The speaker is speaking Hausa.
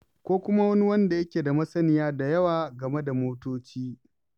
Ko kuma wani wanda yake da masaniya da yawa game da motoci.